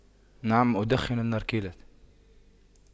نعم أدخن النركيلة